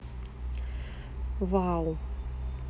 wow